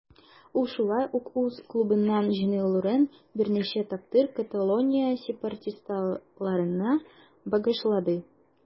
Ул шулай ук үз клубының җиңүләрен берничә тапкыр Каталония сепаратистларына багышлады.